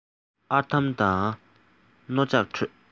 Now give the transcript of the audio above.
ཨར དམ དང རྣོ ལྕགས ཁྲོད